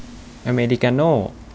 อเมริกาโน่